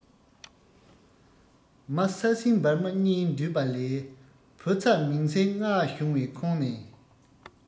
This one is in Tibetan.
མ ས སྲིན འབར མ གཉིས འདུས པ ལས བུ ཚ མིང སྲིང ལྔ བྱུང བའི ཁོངས ནས